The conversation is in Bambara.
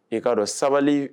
I ka sabali